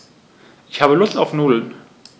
Ich habe Lust auf Nudeln.